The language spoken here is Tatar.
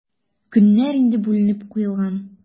Көннәр инде бүленеп куелган.